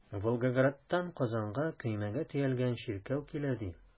Волгоградтан Казанга көймәгә төялгән чиркәү килә, ди.